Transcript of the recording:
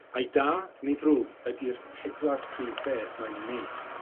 Ai da neu ddrwg ydi'r pedwar prif beth mae'n 'u wneud?